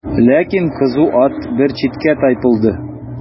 Ләкин кызу ат бер читкә тайпылды.